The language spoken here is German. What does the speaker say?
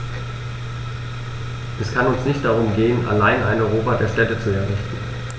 Es kann uns nicht darum gehen, allein ein Europa der Städte zu errichten.